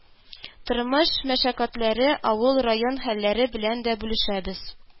Тормыш мәшәкатьләре, авыл, район хәлләре белән дә бүлешәбез